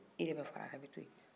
i yɛrɛ bɛ far'a kan aw bɛ to yen